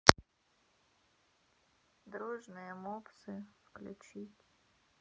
дружные мопсы включить